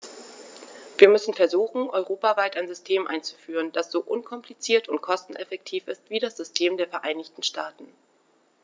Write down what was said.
Wir müssen versuchen, europaweit ein System einzuführen, das so unkompliziert und kosteneffektiv ist wie das System der Vereinigten Staaten.